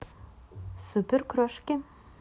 суперкрошки